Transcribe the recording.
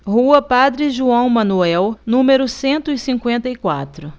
rua padre joão manuel número cento e cinquenta e quatro